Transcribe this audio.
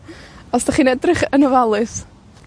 Os 'dych chi'n edrych yn ofalus.